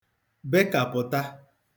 bekàpụ̀ta